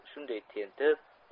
shunday tentib